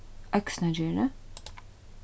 øksnagerði